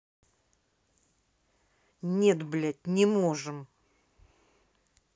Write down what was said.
нет блядь не можем